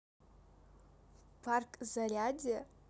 парк зарядье